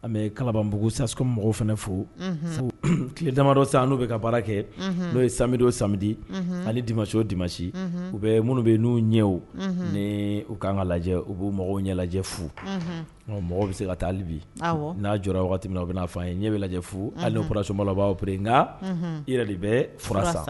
An bɛ kalabanbugu saskɔ mɔgɔw fana fo fo tilele damadɔ san n'u bɛ ka baara kɛ n'o ye samidon sadi ani di masiw di masi u bɛ minnu bɛ n'u ɲɛw ni u k'an ka lajɛ u bɛ mɔgɔw ɲɛ lajɛ fo nka mɔgɔw bɛ se ka taalibi n'a jɔ wagati min u bɛna'a fɔ a ye ɲɛ bɛ lajɛ fo halisoma laban n nka i yɛrɛ de bɛ f sa